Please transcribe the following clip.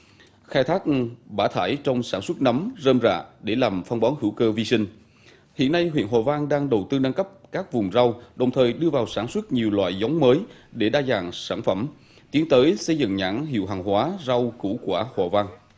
khai thác bã thải trong sản xuất nấm rơm rạ để làm phân bón hữu cơ vi sinh hiện nay huyện hòa vang đang đầu tư nâng cấp các vùng rau đồng thời đưa vào sản xuất nhiều loại giống mới để đa dạng sản phẩm tiến tới xây dựng nhãn hiệu hàng hóa rau củ quả hòa vang